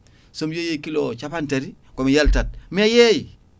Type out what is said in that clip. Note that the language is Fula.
somi yeeyi kilo o capantati komi yaltat mais yeey